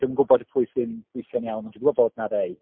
Dwi'm yn gwybod pwy sy'n gweithio'n iawn ond dwi'n gwybod bod 'na rai.